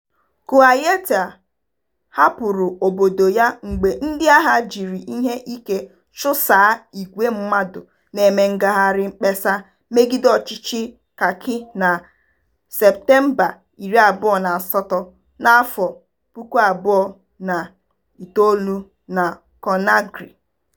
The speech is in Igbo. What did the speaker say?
Kouyaté hapụrụ obodo ya mgbe ndịagha jiri ihe ike chụsaa ìgwè mmadụ na-eme ngagharị mkpesa megide ọchịchị Kaki na 28 Septemba 2009 na Conakry.